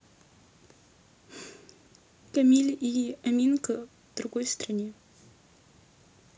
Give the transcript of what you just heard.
камиль и аминка в другой стране